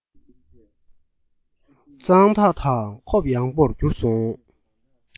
གཙང དག དང ཁོབས ཡངས པོར གྱུར སོང